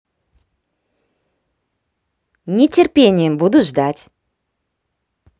нетерпением буду ждать